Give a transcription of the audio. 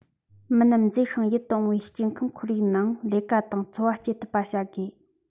མི རྣམས མཛེས ཤིང ཡིད དུ འོང བའི སྐྱེ ཁམས ཁོར ཡུག ནང ལས ཀ དང འཚོ བ སྐྱེལ ཐུབ པ བྱ དགོས